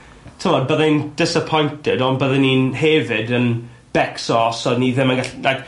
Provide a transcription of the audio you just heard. ...t'mod byddwn i'n disappointed ond byddwn i'n hefyd yn becso os o'n i ddim yn gall- like